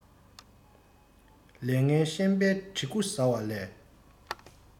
ལས ངན ཤན པའི དྲེག ཁུ བཟའ བ ལས